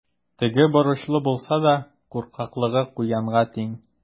Теле борычлы булса да, куркаклыгы куянга тиң.